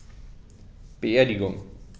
Beerdigung